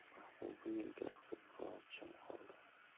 mahbuba yelka qisib bir oz jim qoldi